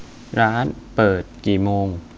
ร้านเปิดกี่โมง